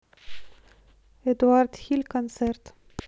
эдуард хиль концерт